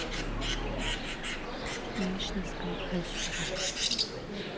мощность компрессора